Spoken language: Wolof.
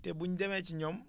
te buñ demee si ñoom